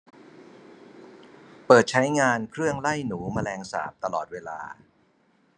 เปิดใช้งานเครื่องไล่หนูแมลงสาบตลอดเวลา